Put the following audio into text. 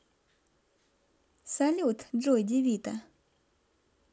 салют джой девита